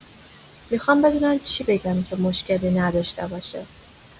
میخوام بدونم چی بگم که مشکلی نداشته باشه.